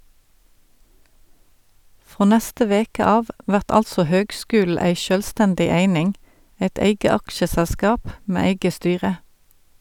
Frå neste veke av vert altså høgskulen ei sjølvstendig eining, eit eige aksjeselskap med eige styre.